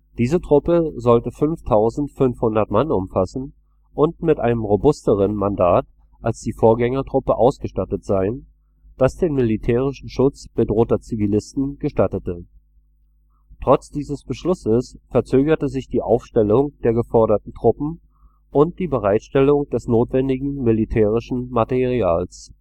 Diese Truppe sollte 5500 Mann umfassen und mit einem robusteren Mandat als die Vorgängertruppe ausgestattet sein, das den militärischen Schutz bedrohter Zivilisten gestattete. Trotz dieses Beschlusses verzögerte sich die Aufstellung der geforderten Truppen und die Bereitstellung des notwendigen militärischen Materials